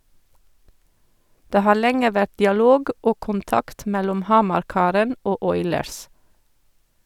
Det har lenge vært dialog og kontakt mellom Hamar-karen og Oilers.